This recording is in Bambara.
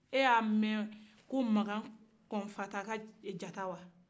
e y'a mɛn ko makan kɔnfata ka jata wa